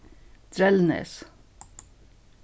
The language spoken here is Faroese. drelnes